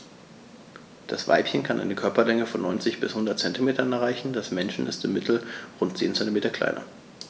Das Weibchen kann eine Körperlänge von 90-100 cm erreichen; das Männchen ist im Mittel rund 10 cm kleiner.